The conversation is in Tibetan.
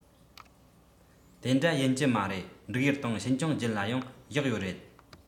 དེ འདྲ ཡིན གྱི མ རེད འབྲུག ཡུལ དང ཤིན ཅང རྒྱུད ལ ཡང གཡག ཡོད རེད